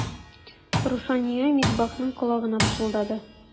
Рушания Мисбахның колагына пышылдады.